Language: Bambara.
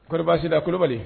Kosibali